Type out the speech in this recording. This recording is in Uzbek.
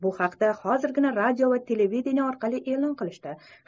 bu haqda hozirgina radio va televideniye orqali e'lon qilishdi